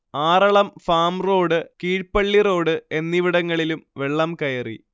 Aralam farm road Keezhpally road എന്നിവിടങ്ങളിലും വെള്ളം കയറി